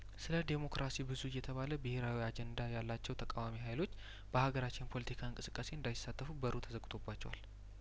ስለዴሞክራሲ ብዙ እየተባለ ብሄራዊ አጀንዳ ያላቸው ተቃዋሚ ሀይሎች በሀገራችን ፖለቲካ እንቅስቃሴ እንዳይሳተፉ በሩ ተዘግቶባቸዋል